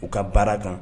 U ka baara kan